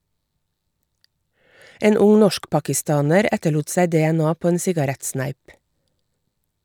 En ung norsk-pakistaner etterlot seg DNA på en sigarettsneip.